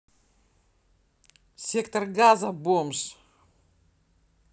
сектор газа бомж